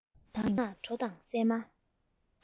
ཞིང ཐང ན གྲོ དང སྲན མ